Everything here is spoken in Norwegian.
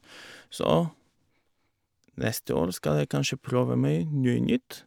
Så neste år skal jeg kanskje prøve meg noe nytt.